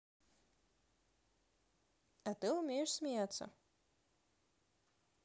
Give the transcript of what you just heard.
а ты умеешь смеяться